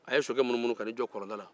a ye sokɛ munumunu ka n'i jɔ kɔlɔnda la